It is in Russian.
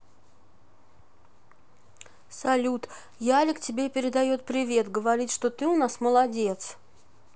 салют ярик тебе передает привет говорит что ты у нас молодец